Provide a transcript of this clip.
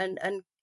yn yn